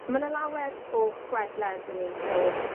Ma' 'na lawer o chwedle 'dyn ni'n hoff